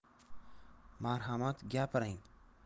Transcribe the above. marhamat gapiring